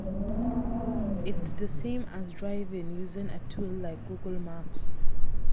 It’s the same as driving using a tool like Google Maps.